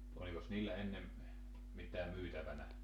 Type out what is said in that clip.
olikos niillä ennen mitään myytävänä